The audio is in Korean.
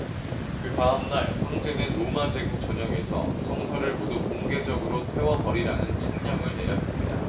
그다음 날 황제는 로마 제국 전역에서 성서를 모두 공개적으로 태워 버리라는 칙령을 내렸습니다